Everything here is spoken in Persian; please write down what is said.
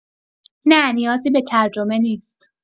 نه نیازی به ترجمه نیست